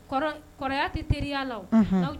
Kɔrɔ tɛ teriya la